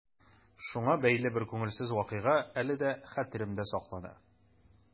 Шуңа бәйле бер күңелсез вакыйга әле дә хәтеремдә саклана.